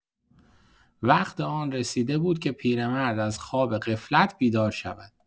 وقت آن رسیده بود که پیرمرد از خواب غفلت بیدار شود.